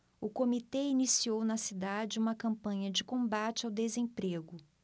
o comitê iniciou na cidade uma campanha de combate ao desemprego